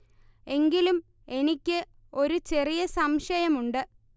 എങ്കിലും എനിക്ക് ഒരു ചെറിയ സംശയമുണ്ട്